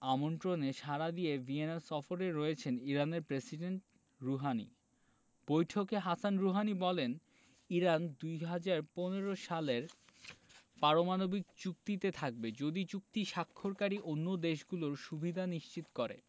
আমন্ত্রণে সাড়া দিয়ে ভিয়েনা সফরে রয়েছেন ইরানের প্রেসিডেন্ট রুহানি বৈঠকে হাসান রুহানি বলেন ইরান ২০১৫ সালের পারমাণবিক চুক্তিতে থাকবে যদি চুক্তি স্বাক্ষরকারী অন্য দেশগুলো সুবিধা নিশ্চিত করে